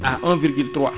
à 1,3